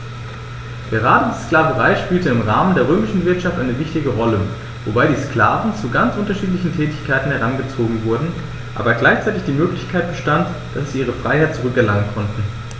Gerade die Sklaverei spielte im Rahmen der römischen Wirtschaft eine wichtige Rolle, wobei die Sklaven zu ganz unterschiedlichen Tätigkeiten herangezogen wurden, aber gleichzeitig die Möglichkeit bestand, dass sie ihre Freiheit zurück erlangen konnten.